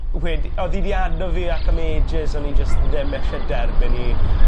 wed- odd 'i 'di addo fi ac am ages o'n i jyst ddim isie derbyn 'i